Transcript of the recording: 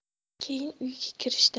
keyin uyga kirishdi